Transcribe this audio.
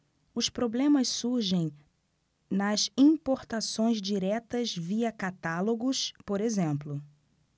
os problemas surgem nas importações diretas via catálogos por exemplo